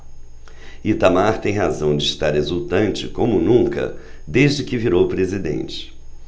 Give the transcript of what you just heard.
itamar tem razão de estar exultante como nunca desde que virou presidente